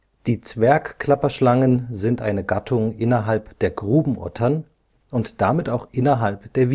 Die Zwergklapperschlangen (Sistrurus) sind eine Gattung innerhalb der Grubenottern (Crotalinae) und damit auch innerhalb der